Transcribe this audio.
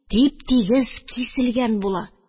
Тип-тигез киселгән була